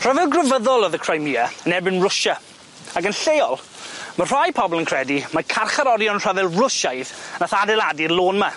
Rhyfel grefyddol o'dd y Crimea yn erbyn Rwsia, ac yn lleol ma' rhai pobol yn credu mai carcharorion rhyfel Rwsiaidd nath adeiladu'r lôn 'my.